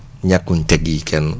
ñàkkuén teggi kenn